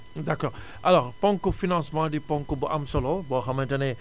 d' accord alors ponku financement di ponk bu am solo boo xamante ne